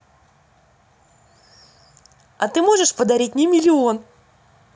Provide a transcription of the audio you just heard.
а ты можешь подарить мне миллион